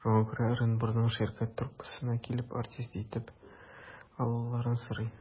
Шуңа күрә Ырынбурның «Ширкәт» труппасына килеп, артист итеп алуларын сорый.